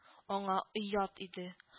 Аңа оят иде